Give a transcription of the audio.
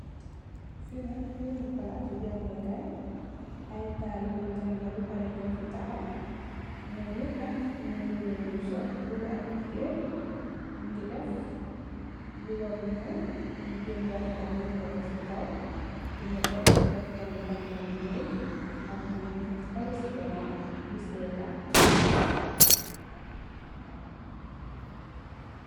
Fi nak berembi palaci jangex kai ay talibe janga ba parex nyu fi taxaw nyom nyep nak nyu nduru lung sol goor ak jigéen nyungi def mbuba bu ñuul nu jeel dara tam weka ko si kaw lu netex def tam mbahana bu nuul ak nyu neka fele si ganaw di setan.